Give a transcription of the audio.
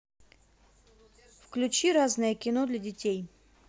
включи разное кино для детей